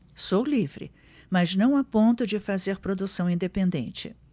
sou livre mas não a ponto de fazer produção independente